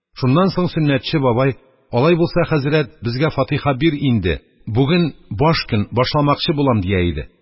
Алай булса, хәзрәт, безгә фатиха бир инде, бүген баш көн, башламакчы булам, – дия иде.